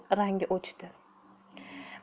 rangi o'chdi